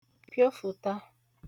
piofụ̀ta